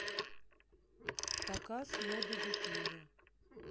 показ моды бикини